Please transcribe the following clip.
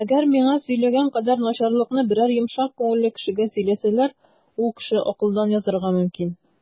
Әгәр миңа сөйләгән кадәр начарлыкны берәр йомшак күңелле кешегә сөйләсәләр, ул кеше акылдан язарга мөмкин.